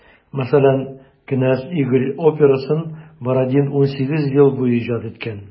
Мәсәлән, «Кенәз Игорь» операсын Бородин 18 ел буе иҗат иткән.